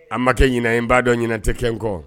A ma kɛ ɲinɛn ye n b'a don ɲɛn tɛ n kɔ.